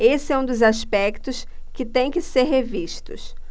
esse é um dos aspectos que têm que ser revistos